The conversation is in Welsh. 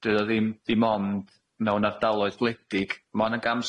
'di o ddim dim ond mewn ardaloedd gwledig, ma' 'na gam